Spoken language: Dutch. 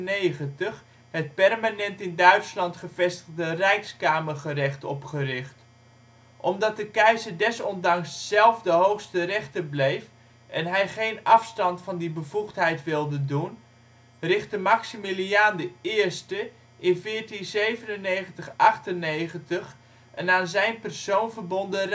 1495 het permanent in Duitsland gevestigde Rijkskamergerecht (Reichskammergericht) opgericht. Omdat de keizer desondanks zelf de hoogste rechter bleef en hij geen afstand van die bevoegdheid wilde doen, richtte Maximiliaan I in 1497 /' 98 een aan zijn persoon verbonden